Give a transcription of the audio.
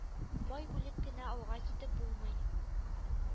Пай бүлеп кенә алга китеп булмый